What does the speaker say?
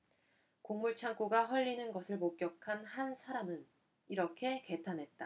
곡물 창고가 헐리는 것을 목격한 한 사람은 이렇게 개탄했다